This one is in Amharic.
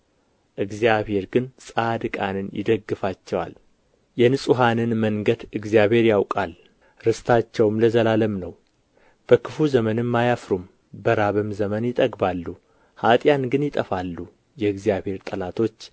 እግዚአብሔር ግን ጻድቃንን ይደግፋቸዋል የንጹሓንን መንገድ እግዚአብሔር ያውቃል ርስታቸውም ለዘላለም ነው በክፉ ዘመንም አያፍሩም በራብ ዘመንም ይጠግባሉ ኅጥአን ግን ይጠፋሉ የእግዚአብሔር ጠላቶች